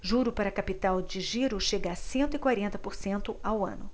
juro para capital de giro chega a cento e quarenta por cento ao ano